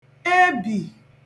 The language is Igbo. ebì